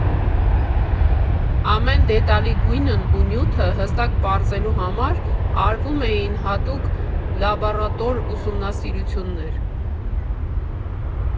Ամեն դետալի գույնն ու նյութը հստակ պարզելու համար արվում էին հատուկ լաբորատուր ուսումնասիրություններ։